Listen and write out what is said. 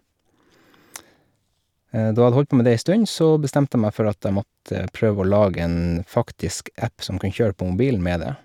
Da jeg hadde holdt på med det ei stund, så bestemte jeg meg for at jeg måtte prøve å lage en faktisk app som kan kjøre på mobilen med det.